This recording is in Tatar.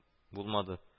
Булмады